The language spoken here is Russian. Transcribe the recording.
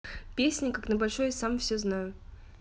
песня как большой сам все знаю